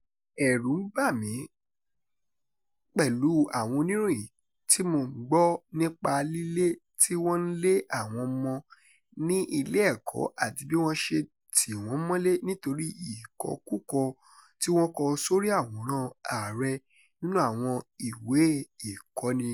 Ẹ̀rù ń bà mí pẹ̀lú àwọn ìròyìn tí mò ń gbọ́ nípa lílé tí wọ́n ń lé àwọn ọmọ ní ilé-ẹ̀kọ́ àti bí wọ́n ṣe ń tì wọ́n mọ́lé nítorí ìkọkúkọ tí wọ́n kọ sórí àwòrán Ààrẹ nínú àwọn ìwé ìkọ́ni.